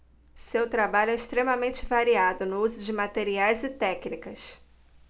seu trabalho é extremamente variado no uso de materiais e técnicas